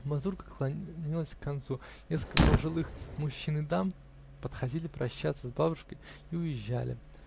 Мазурка клонилась к концу: несколько пожилых мужчин и дам подходили прощаться с бабушкой и уезжали